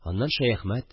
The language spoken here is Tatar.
Аннан Шәяхмәт